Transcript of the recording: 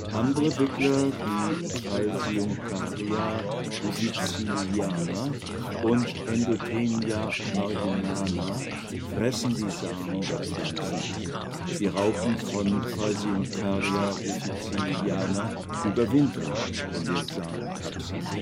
andere Wickler wie Falseuncaria ruficiliana und Endothenia marginana fressen die Samen der Pflanzen, die Raupen von Falseuncaria ruficiliana überwintern in den Samenkapseln